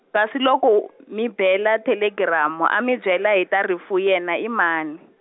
kasi loko , mi bela thelegiramu a mi byela hi ta rifu yena i mani?